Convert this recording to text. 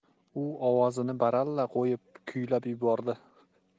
u ovozini baralla qo'yib kuylab yubordi